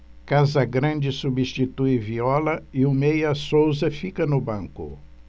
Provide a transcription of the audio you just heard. casagrande substitui viola e o meia souza fica no banco